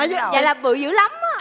dạ là bự dữ lắm á